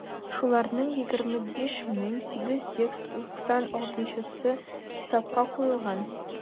Шуларның 25 мең 896-сы хисапка куелган.